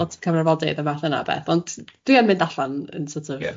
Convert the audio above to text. ...lot o cyfarfodydd a fath yna o beth ond dwi yn mynd allan yn sort of... Ie.